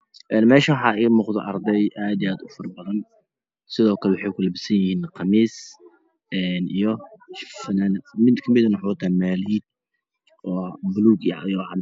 Meeshaan waxa iga muuqdo arday aad iyo aad ufara badan sidooklae waxay kula bisanyihiin qamiis iyo funaanado midkamid ahna waxa uu wataa maliyad